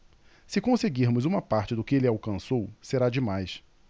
se conseguirmos uma parte do que ele alcançou será demais